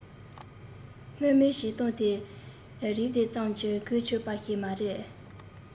སྔོན མའི བྱེད སྟངས དེ རིགས དེ ཙམ གྱིས གོ ཆོད པ ཞིག མ རེད